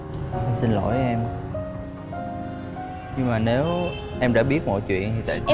xin lỗi em nhưng mà nếu em đã biết mọi chuyện